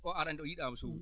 o aɗa anndi o yiɗaama suur